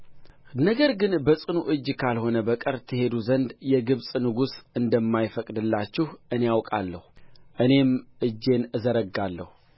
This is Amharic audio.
ነገር ግን በጽኑ እጅ ካልሆነ በቀር ትሄዱ ዘንድ የግብፅ ንጉሥ እንደማይፈቅድላችሁ እኔ አውቃለሁ እኔም እጄን እዘረጋለሁ